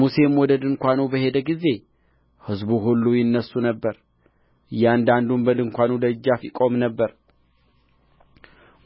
ሙሴም ወደ ድንኳኑ በሄደ ጊዜ ሕዝቡ ሁሉ ይነሡ ነበር እያንዳንዱም በድንኳኑ ደጃፍ ይቆም ነበር